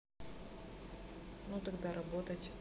ну тогда работать